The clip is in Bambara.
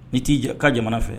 I t'i j ka jamana fɛ